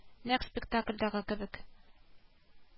Нәкъ спектакльдәге кебек